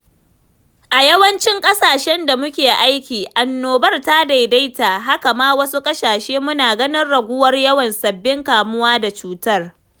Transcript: A yawancin ƙasashen da muke aiki, annobar ta daidaita, haka ma a wasu ƙasashen muna ganin raguwar yawan sabbin kamuwa da cutar.